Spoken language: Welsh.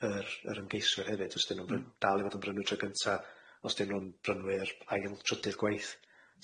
yr yr ymgeiswyr hefyd os 'dyn nw'n bryn- dal i fod yn brynwyr tro cynta os 'dyn nw'n brynwyr ail trydydd gwaith.